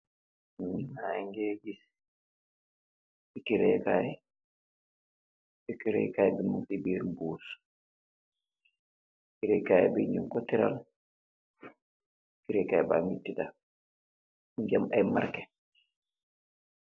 Maa ngee gis pikiree kaay. Pikiree kaay, mung si mbuus. Pikiree kaay bi, ñung ko teral. Pikiree kaay baa ngi tëdë